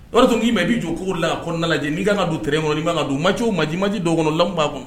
O yɔrɔ tun k'i ma b'i jɔ k' la a kɔnɔna lajɛ'i kan ka don t min kan ka don u ma cɛw o maji maji don kɔnɔ la b'a kɔnɔ